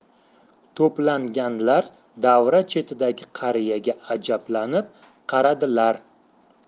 to'planganlar davra chetidagi qariyaga ajablanib qaradilar